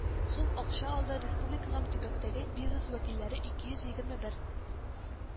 Сум акча алды, республика һәм төбәктәге бизнес вәкилләре ике йөз егерме бер